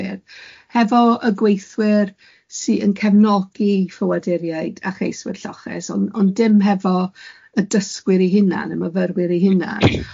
...dysgwyr, hefo y gweithwyr sy yn cefnogi ffoaduriaid a cheiswyr lloches, ond ond dim hefo y dysgwyr ei hunan, y myfyrwyr ei hunan,